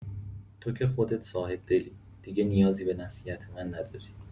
تو که خودت صاحب‌دلی، دیگه نیازی به نصیحت من نداری!